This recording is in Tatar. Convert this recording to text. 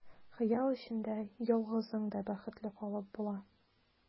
Хыял эчендә ялгызың да бәхетле калып була.